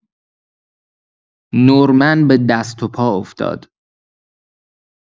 نورمن به دست و پا افتاد.